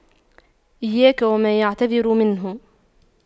إياك وما يعتذر منه